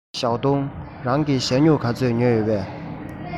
ཞའོ ཏུང རང གིས ཞྭ སྨྱུག ག ཚོད ཉོས ཡོད པས